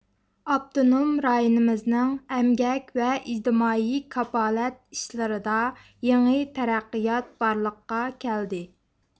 ئاپتونوم رايونىمىزنىڭ ئەمگەك ۋە ئىجتىمائىي كاپالەت ئىشلىرىدا يېڭى تەرەققىيات بارلىققا كەلدى